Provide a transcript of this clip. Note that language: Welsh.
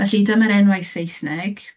Felly dyma'r enwau Saesneg.